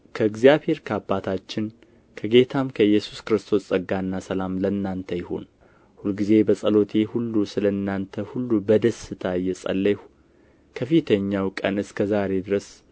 ከእግዚአብሔር ከአባታችን ከጌታም ከኢየሱስ ክርስቶስ ጸጋና ሰላም ለእናንተ ይሁን ሁልጊዜ በጸሎቴ ሁሉ ስለ እናንተ ሁሉ በደስታ እየጸለይሁ ከፊተኛው ቀን እስከ ዛሬ ድረስ